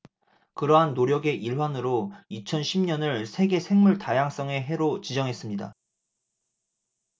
그러한 노력의 일환으로 이천 십 년을 세계 생물 다양성의 해로 지정했습니다